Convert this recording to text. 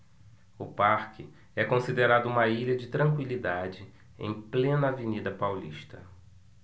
o parque é considerado uma ilha de tranquilidade em plena avenida paulista